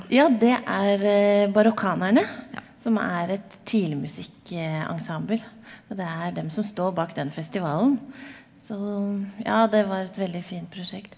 ja det er Barokkanerne som er et tidligmusikkensemble, og det er dem som står bak den festivalen, så ja det var et veldig fint prosjekt.